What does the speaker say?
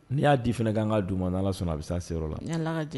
Ni'a di fana ka n ka d u ma n' ala sɔnna a bɛ se se la